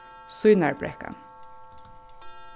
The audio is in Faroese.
sýnarbrekkan